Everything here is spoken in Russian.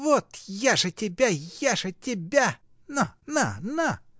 — Вот я же тебя, я же тебя — на, на, на!